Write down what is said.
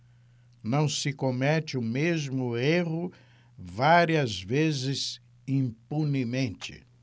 não se comete o mesmo erro várias vezes impunemente